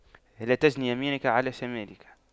لا تجن يمينك على شمالك